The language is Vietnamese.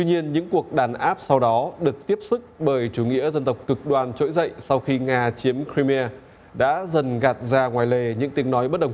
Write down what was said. tuy nhiên những cuộc đàn áp sau đó được tiếp sức bởi chủ nghĩa dân tộc cực đoan trỗi dậy sau khi nga chiếm cờ ri mia đã dần gạt ra ngoài lề những tiếng nói bất đồng